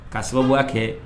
K' sababubɔ kɛ